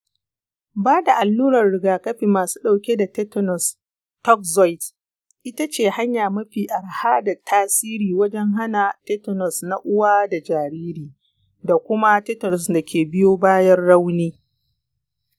ba da alluran rigakafi masu ɗauke da tetanus toxoid ita ce hanya mafi araha da tasiri wajen hana tetanus na uwa da jariri, da kuma tetanus da ke biyo bayan rauni.